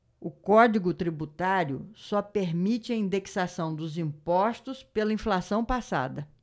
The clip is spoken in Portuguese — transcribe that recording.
o código tributário só permite a indexação dos impostos pela inflação passada